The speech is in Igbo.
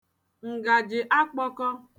ǹgàjị̀ akpọ̄kọ̄